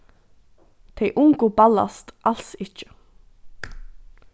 tey ungu ballast als ikki